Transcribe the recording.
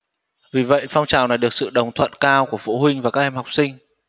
vì vậy phong trào này được sự đồng thuận cao của phụ huynh và các em học sinh